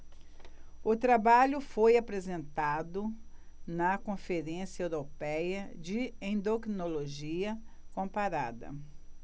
o trabalho foi apresentado na conferência européia de endocrinologia comparada